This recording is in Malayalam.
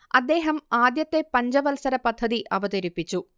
അദ്ദേഹം ആദ്യത്തെ പഞ്ചവത്സര പദ്ധതി അവതരിപ്പിച്ചു